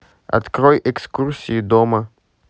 открой экскурсии дома